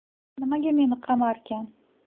nimaga meni qamarkan